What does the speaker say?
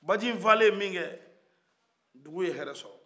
baji in fale mikɛ dugu ye heɛrɛ sɔrɔ